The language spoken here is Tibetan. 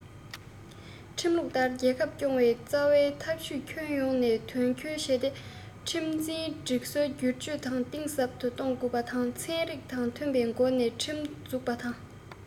ཁྲིམས ལུགས ལྟར རྒྱལ ཁབ སྐྱོང བའི རྩ བའི ཐབས ཇུས ཁྱོན ཡོངས ནས དོན འཁྱོལ བྱས ཏེ ཁྲིམས འཛིན སྒྲིག སྲོལ སྒྱུར བཅོས གཏིང ཟབ ཏུ གཏོང དགོས པ དང ཚན རིག དང མཐུན པའི སྒོ ནས ཁྲིམས འཛུགས པ དང